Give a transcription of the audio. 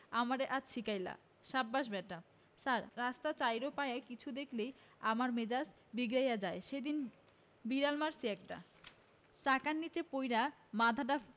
আমারে আজ শিখাইলা সাব্বাস ব্যাটা ছার রাস্তায় চাইর পায়া কিছু দেখলেই আমার মেজাজ বিগড়ায়া যায় সেইদিন বিড়াল মারছি একটা চাকার নিচে পইড়া মাথাডা